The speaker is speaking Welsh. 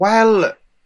Wel